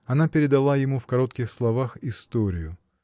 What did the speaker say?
Она передала ему в коротких словах историю.